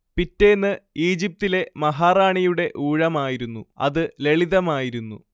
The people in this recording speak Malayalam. പിറ്റേന്ന് ഈജിപ്റ്റിലെ മഹാറാണിയുടെ ഊഴമായിരുന്നു അത് ലളിതമായിരുന്നു